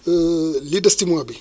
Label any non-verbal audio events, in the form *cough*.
*hesitation* li des ci mois bi